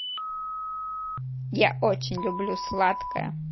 я очень люблю сладкое